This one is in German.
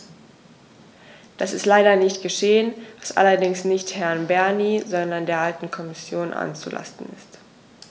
Das ist leider nicht geschehen, was allerdings nicht Herrn Bernie, sondern der alten Kommission anzulasten ist.